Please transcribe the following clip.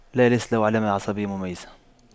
لا ليست له علامة عصبية مميزة